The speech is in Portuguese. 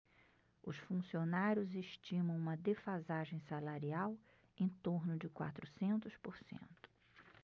os funcionários estimam uma defasagem salarial em torno de quatrocentos por cento